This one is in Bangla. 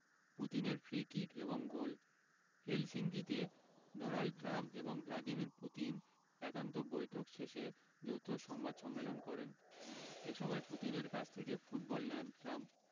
পুতিনের ফ্রি কিক এবং গোল হেলসিঙ্কিতে ডোনাল্ড ট্রাম্প ও ভ্লাদিমির পুতিন একান্ত বৈঠক শেষে যৌথ সংবাদ সম্মেলন করেন এ সময় পুতিনের কাছ থেকে ফুটবল নেন ট্রাম্প